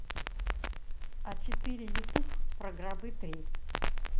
а четыре ютуб про гробы три